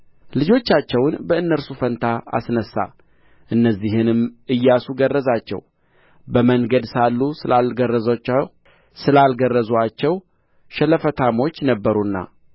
ልጆቻቸውን በእነርሱ ፋንታ አስነሣ እነዚህንም ኢያሱ ገረዛቸው በመንገድ ሳሉ ስላልገረዙአቸው ሸለፈታሞች ነበሩና